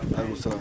maaleykum salaam